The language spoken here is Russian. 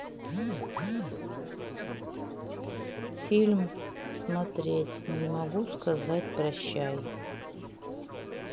фильм смотреть не могу сказать прощай